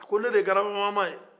a ko ne de ye garaba mama ye